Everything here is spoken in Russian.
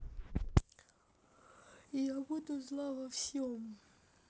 я буду зла во всем